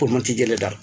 pour mun ci jëlee dara